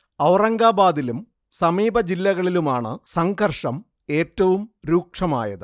ഔറംഗാബാദിലും സമീപ ജില്ലകളിലുമാണ് സംഘർഷം ഏറ്റവും രൂക്ഷമായത്